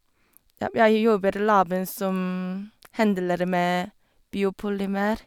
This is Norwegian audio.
Ja, jeg jobber laben som handler med biopolymer.